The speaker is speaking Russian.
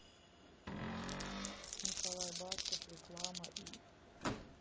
николай басков реклама и